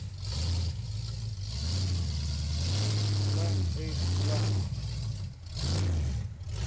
лайн эйдж два